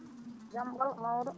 jaam ɓoolo ko mawɗum